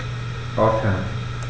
Aufhören.